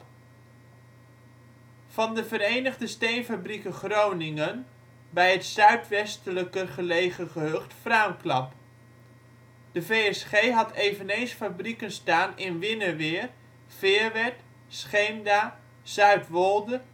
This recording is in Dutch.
van de Verenigde Steenfabrieken Groningen (VSG) bij het zuidwestelijker gelegen gehucht Fraamklap. De VSG had eveneens fabrieken staan in Winneweer, Feerwerd, Scheemda, Zuidwolde